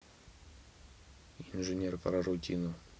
инженер про рутину